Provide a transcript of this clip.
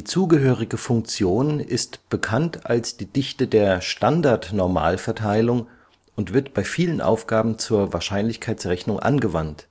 zugehörige Funktion ist bekannt als die Dichte der Standardnormalverteilung und wird bei vielen Aufgaben zur Wahrscheinlichkeitsrechnung angewandt,